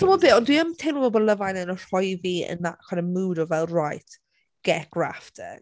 Timod be ond dwi yn teimlo fel bod Love Island yn rhoi fi in that kind of mood o fel right get grafting.